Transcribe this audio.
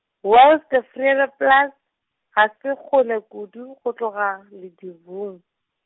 Wildevredenplaats, ga se kgole kudu go tloga Ledibung.